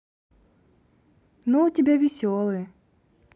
ну у тебя веселые